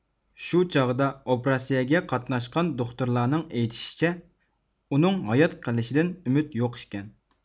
شۇ چاغدا ئوپېراتسىيىگە قاتناشقان دوختۇرلارنىڭ ئېيتىشىچە ئۇنىڭ ھايات قېلىشىدىن ئۈمۈت يوق ئىكەن